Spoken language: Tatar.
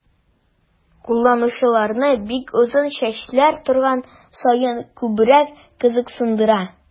Кулланучыларны бик озын чәчләр торган саен күбрәк кызыксындыра.